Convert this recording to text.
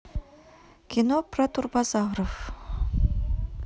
кино про турбозавров